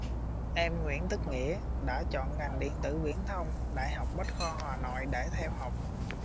em nguyễn tất nghĩa đã chọn ngành điện tử viễn thông đại học bách khoa hà nội để theo học